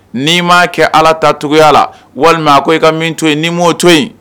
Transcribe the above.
N'i maa kɛ Ala ta togoya la walima a ko i ka min to ye n'i m'o to ye